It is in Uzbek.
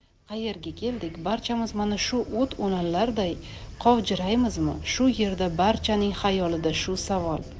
qaerga keldik barchamiz mana shu o't o'lanlarday qovjiraymizmi shu yerda barchaning xayolida shu savol